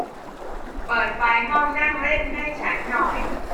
เปิดไฟห้องนั่งเล่นให้ฉันหน่อย